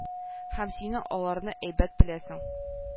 Һәм сине аларны әйбәт беләсең